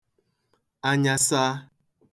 anya saa